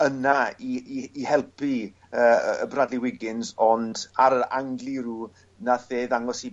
yna i i i helpu yy yy Bradley Wiggins ond ar y Angrilu nath e ddangos i